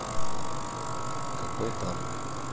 какой там